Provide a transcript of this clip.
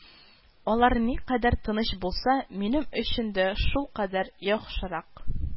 Алар никадәр тыныч булса, минем өчен дә шулкадәр яхшырак